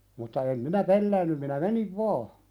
mutta en minä pelännyt minä menin vain